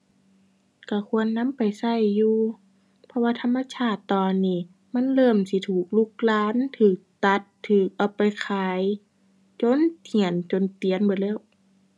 ก็ควรนำไปก็อยู่ เพราะว่าธรรมชาติตอนนี้ มันเริ่มสิถูกรุกราน ก็ตัด ก็เอาไปขาย จนเหี้ยนจนเตียนเบิดแล้ว